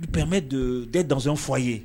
Pour permettre d'être dans un foyer